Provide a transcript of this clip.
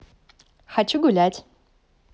хочу гулять